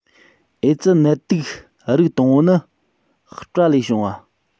ཨེ ཙི ནད དུག རིགས དང པོ ནི སྤྲ ལས བྱུང ལ